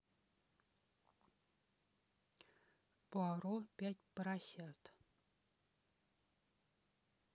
пуаро пять поросят